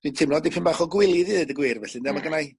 dwi'n teimlo dipyn bach o gwilydd i ddeud y gwir felly ynde ma' gennai